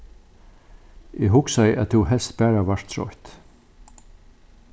eg hugsaði at tú helst bara vart troytt